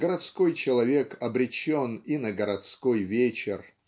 городской человек обречен и на городской вечер